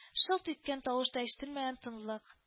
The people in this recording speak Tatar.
Шылт иткән тавыш та ишетелмәгән тынлык